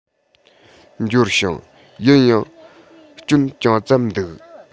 འབྱོར བྱུང ཡིན ཡང སྐྱོན ཅུང ཙམ འདུག